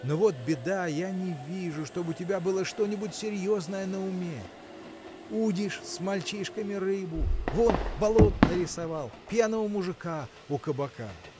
Но вот беда, я не вижу, чтоб у тебя было что-нибудь серьезное на уме: удишь с мальчишками рыбу, вон болото нарисовал, пьяного мужика у кабака.